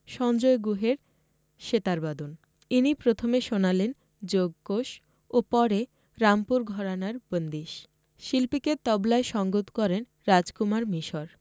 সঞ্জয় গুহের সেতারবাদন ইনি প্রথমে শোনালেন যোগকোষ ও পরে রামপুর ঘরানার বন্দিশ শিল্পীকে তবলায় সংগত করেন রাজকুমার মিশর